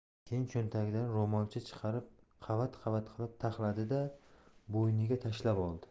keyin cho'ntagidan ro'molcha chiqarib qavat qavat qilib taxladi da bo'yniga tashlab oldi